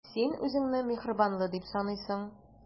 Син үзеңне миһербанлы дип саныйсың.